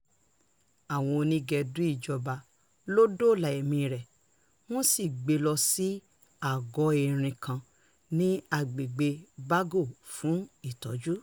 Àwọn onígẹdú ìjọba ló dóòlà ẹ̀míi rẹ̀, wọ́n sì gbé e lọ sí àgọ́ erin kan ní Agbègbèe Bago fún ìtọ́jú.